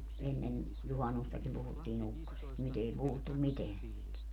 ennen juhannustakin puhuttiin ukkosesta nyt ei puhuttu mitään siitä